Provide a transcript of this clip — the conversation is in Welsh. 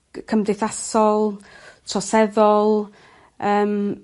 gy- cymdeithasol troseddol yym.